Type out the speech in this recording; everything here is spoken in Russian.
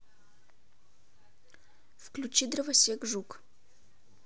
включи дровосек жук